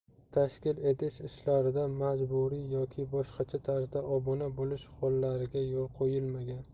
tashkil etish ishlarida majburiy yoki boshqacha tarzda obuna bo'lish hollariga yo'l qo'yilmagan